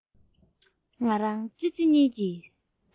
ང རང ཙི ཙི གཉིས ཀྱི